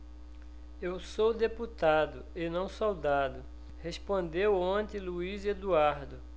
eu sou deputado e não soldado respondeu ontem luís eduardo